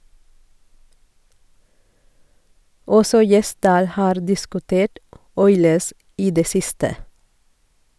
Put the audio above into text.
Også Gjesdal har diskutert Oilers i det siste.